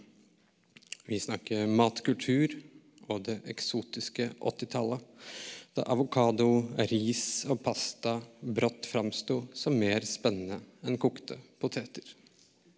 vi snakker matkultur og det eksotiske åttitallet, da avokado, ris og pasta brått framsto som mer spennende enn kokte poteter.